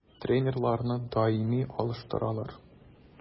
Тренерларны даими алыштыралар.